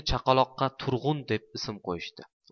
chaqaloqqa turg'un deb ism qo'yishdi